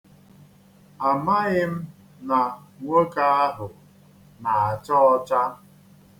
Amaghị m na nwoke ahụ na-acha ọcha.